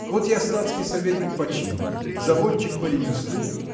Вот я статский советник по чину, заводчик по ремеслу